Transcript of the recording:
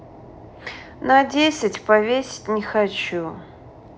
на десять повесить не хочу